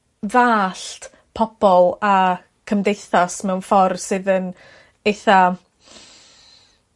ddallt pobol a cymdeithas mewn ffordd sydd yn eitha